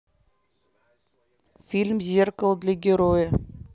фильм зеркало для героя